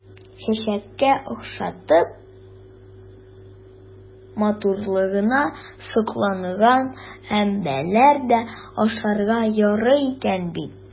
Чәчәккә охшатып, матурлыгына сокланган гөмбәләр дә ашарга ярый икән бит!